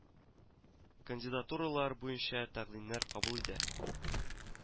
Кандидатуралар буенча тәкъдимнәр кабул итә